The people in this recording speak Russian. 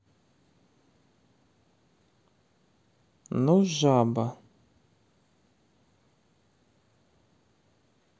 ну жаба